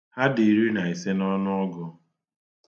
Ha di iri na ise n'ọnụọgụ.